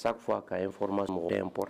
Chaque fois ka information mɔgɔ peut importe